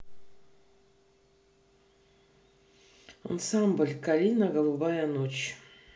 ансамбль калина голубая ночь